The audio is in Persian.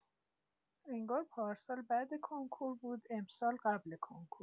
انگار پارسال بعد کنکور بود، امسال قبل کنکور!